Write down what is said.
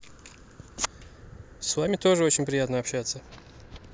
с вами тоже очень приятно общаться